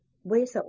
bu esa